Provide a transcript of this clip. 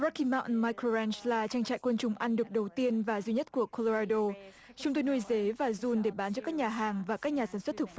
róc ki mau đừn mai cơ ren là trang trại côn trùng ăn được đầu tiên và duy nhất của cô lô ra đô chúng tôi nuôi dế và giun để bán cho các nhà hàng và các nhà sản xuất thực